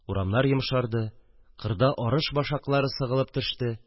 Урамнар йомшарды, кырда арыш башаклары сыгылып төште